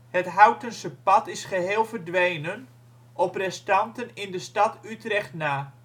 Het Houtense Pad is geheel verdwenen, op restanten in de stad Utrecht na